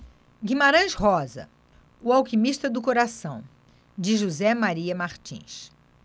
guimarães rosa o alquimista do coração de josé maria martins